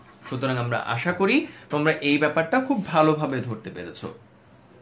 সুতরাং আমরা আশা করি তোমরা এই ব্যাপারটা খুব ভালোভাবে ধরতে পেরেছ